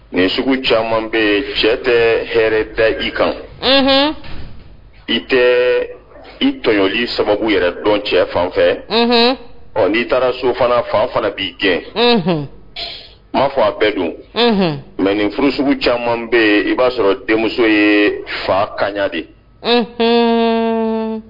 Nin sugu caman bɛ cɛ tɛ hɛrɛ tɛ i kan i tɛ i tɔɲɔli sababu yɛrɛ dɔn cɛ fan fɛ ɔ n'i taara sofana fan fana b ii gɛn n m maa fɔ a bɛɛ dun nka nin furu sugu caman bɛ yen i b'a sɔrɔ denmuso ye fa kaɲa de ye